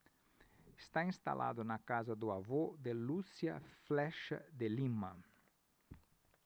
está instalado na casa do avô de lúcia flexa de lima